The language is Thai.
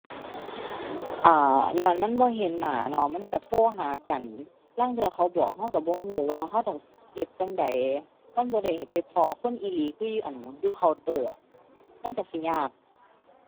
เอ่อ ญ้อนมันบ่เห็นหน้าน้อ มันก็โทรหากัน ลางเทื่อเขาบอก ก็ก็บ่ก็ว่าก็ต้องเฮ็ดจั่งใด มันบ่ได้ให้ไปพ้อคนอีหลีคืออยู่ อั่น อยู่เคาน์เตอร์ มันก็สิยาก